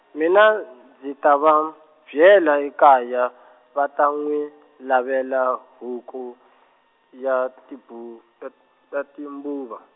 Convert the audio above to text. mina dzi ta van, byela ekaya, va ta n'wi, lavela huku , ya tibu- tat-, tat- timbuva.